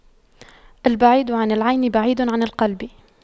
البعيد عن العين بعيد عن القلب